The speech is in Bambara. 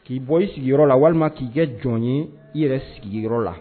K'i bɔ i sigiyɔrɔ la walima k'i kɛ jɔn ye i yɛrɛ sigiyɔrɔ la